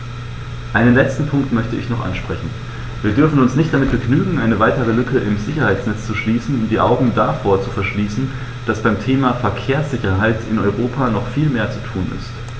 Einen letzten Punkt möchte ich noch ansprechen: Wir dürfen uns nicht damit begnügen, eine weitere Lücke im Sicherheitsnetz zu schließen und die Augen davor zu verschließen, dass beim Thema Verkehrssicherheit in Europa noch viel mehr zu tun ist.